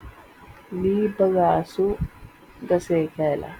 Lii bagasu gaseekay la.